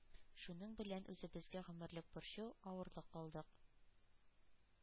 Шуның белән үзебезгә гомерлек борчу, авырлык алдык.